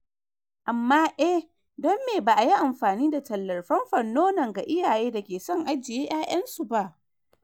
amma eh don me ba’ayi amfani da tallar famfon nono ga iyaye da ke son ajiya yayan su ba?”